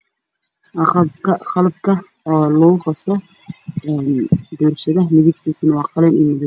Waa qalabka oo laku qaso midiga midibkisa yahy qalin io madow